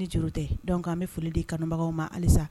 Ni juru tɛ dɔn k' an bɛ foli di kanubagaw ma halisa